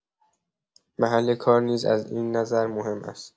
محل کار نیز از این نظر مهم است.